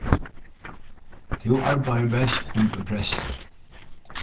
tú arbeiðir best undir pressi